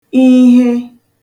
ihe